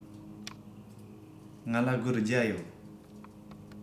ང ལ སྒོར བརྒྱ ཡོད